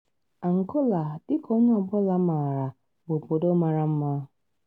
Angola, dịka onye ọbụla maara, bụ obodo mara mma.